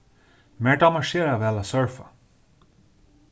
mær dámar sera væl at surfa